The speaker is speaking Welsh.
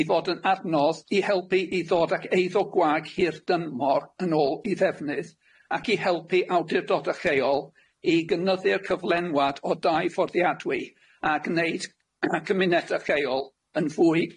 i fod yn adnodd i helpu i ddod ac eiddo gwag hir dynmor yn ôl i ddefnydd ac i helpu awdurdodau lleol i gynyddu'r cyflenwad o dau fforddiadwy a gneud a cymunedau lleol yn fwyd